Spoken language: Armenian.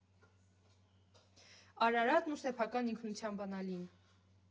Արարատն ու սեփական ինքնության բանալին։